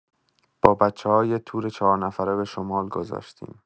با بچه‌ها یه تور چهارنفره به شمال گذاشتیم.